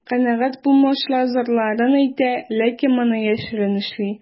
Канәгать булмаучылар зарларын әйтә, ләкин моны яшерен эшли.